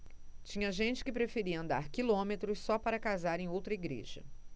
tinha gente que preferia andar quilômetros só para casar em outra igreja